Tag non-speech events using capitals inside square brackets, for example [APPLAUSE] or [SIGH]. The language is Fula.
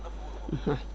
[HESITATION] [HESITATION]